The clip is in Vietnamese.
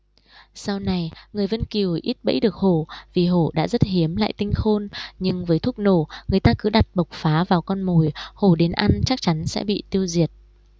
sau này người vân kiều ít bẫy được hổ vì hổ đã rất hiếm lại tinh khôn nhưng với thuốc nổ người ta cứ đặt bộc phá vào con mồi hổ đến ăn chắc chắn sẽ bị tiêu diệt